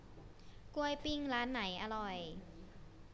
กล้วยปิ้งร้านไหนอร่อย